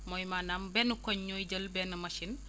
mooy maanaam benn koñ ñooy jël benn machine